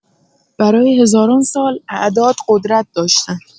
برای هزاران سال، اعداد قدرت داشتن.